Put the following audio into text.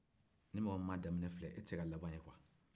ni mɔgɔ min m'a danbɛ filɛ e tɛ se k'a laban ye kɔ